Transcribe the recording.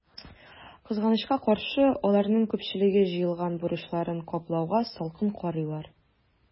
Кызганычка каршы, аларның күпчелеге җыелган бурычларын каплауга салкын карыйлар.